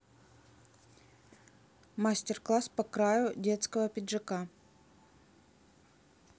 мастер класс по краю детского пиджака